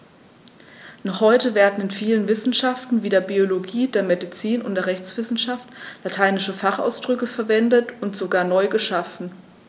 Noch heute werden in vielen Wissenschaften wie der Biologie, der Medizin und der Rechtswissenschaft lateinische Fachausdrücke verwendet und sogar neu geschaffen.